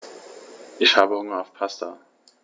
Ich habe Hunger auf Pasta.